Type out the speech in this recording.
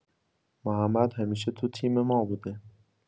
محمد همیشه تو تیم ما بوده.